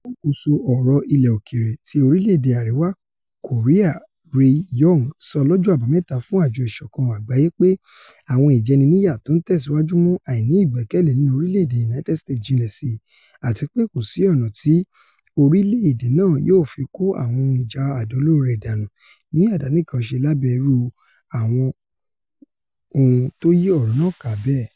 Aláàkóso ọ̀rọ̀ ilẹ̀ òkèèrè ti orílẹ̀-èdè Àrìwá Kòríà Ri Yong sọ lọ́jọ́ Àbámẹ̵́ta fún Àjọ Ìṣọ̀kan Àgbáyé pé àwọn ìjẹniníyà tó ńtẹ̵̀síwájú ńmú àìní-ìgbẹkẹ̀lé nínú orílẹ̀-èdè United States jinlẹ̀ síi àtipé kòsí ọ̀nà tí orílẹ̀-èdè náà yóò fi kó àwọn ohun ìjà àdó olóro rẹ̀ dánù ní àdánìkànṣe lábẹ́ irú àwọn ohun tóyí ọ̀rọ̀ náà ká bẹ́ẹ̀.